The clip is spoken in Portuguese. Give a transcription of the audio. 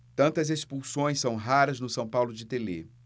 tantas expulsões são raras no são paulo de telê